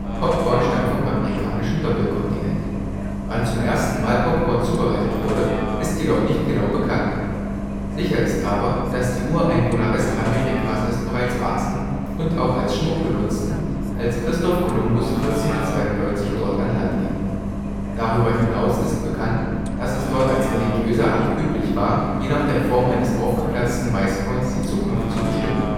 Popcorn stammt vom amerikanischen Doppelkontinent. Wann zum ersten Mal Popcorn zubereitet wurde, ist jedoch nicht genau bekannt. Sicher ist aber, dass die Ureinwohner Westamerikas es bereits aßen – und auch als Schmuck benutzten – als Christoph Kolumbus 1492 dort an Land ging. Darüber hinaus ist bekannt, dass es dort als religiöser Akt üblich war, je nach der Form eines aufgeplatzten Maiskorns die Zukunft zu bestimmen